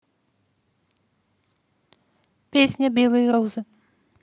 песня белые розы